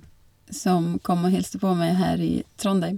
Som kom og hilste på meg her i Trondheim.